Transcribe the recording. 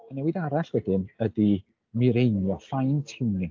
Y newid arall wedyn ydy mireinio fine-tuning.